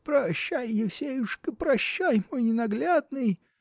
– Прощай, Евсеюшка, прощай, мой ненаглядный!